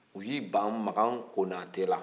u y'u ban makan konatɛ la